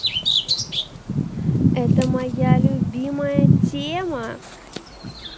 это моя любимая тема